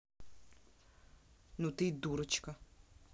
ну ты дурочка